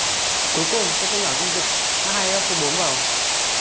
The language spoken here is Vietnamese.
cuối cùng tôi sẽ nhỏ dung dịch hát hai ét ô bốn vào